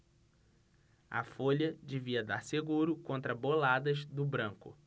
a folha devia dar seguro contra boladas do branco